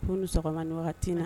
Ko ni sɔgɔma waati na